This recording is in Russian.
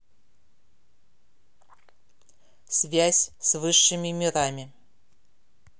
связь с высшими мирами